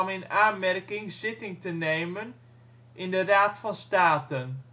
in aanmerking zitting te nemen in de Raad van Staten